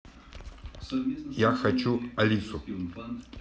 я хочу алису